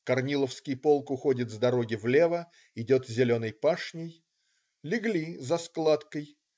Корниловский полк уходит с дороги влево, идет зеленой пашней. Легли за складкой.